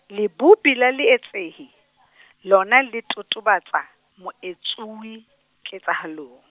Lebopi la leetsehi, lona le totobatsa, moetsuwi, ketsahalong.